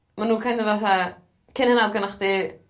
ma' nw kinda fatha... Cyn wnna odd gennoch chdi